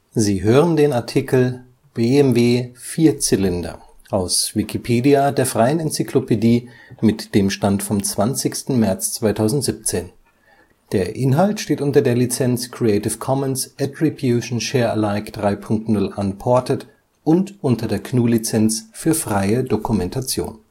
Sie hören den Artikel BMW-Vierzylinder, aus Wikipedia, der freien Enzyklopädie. Mit dem Stand vom Der Inhalt steht unter der Lizenz Creative Commons Attribution Share Alike 3 Punkt 0 Unported und unter der GNU Lizenz für freie Dokumentation